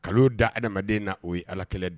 ' da ha adamadamadenya na o ye ala kɛlɛ de